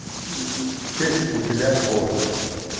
чей у тебя голос